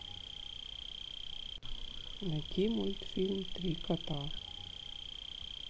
найти мультфильм три кота